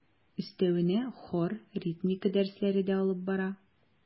Өстәвенә хор, ритмика дәресләре дә алып бара.